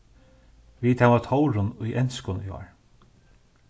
vit hava tórunn í enskum í ár